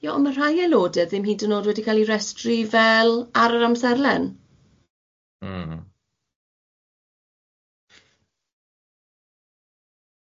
Ond ma' rhai eilode ddim hyd yn od wedi cael eu restru fel ar yr amserlen.